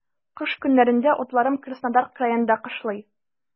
Кыш көннәрендә атларым Краснодар краенда кышлый.